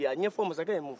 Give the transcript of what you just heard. a ɲɛfɔ masakɛ ye mun fɔ